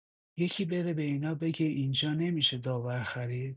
یکی بره به اینا بگه اینجا نمی‌شه داور خرید